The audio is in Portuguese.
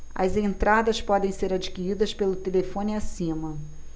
as entradas podem ser adquiridas pelo telefone acima